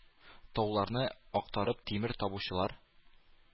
Тауларны актарып тимер табучылар,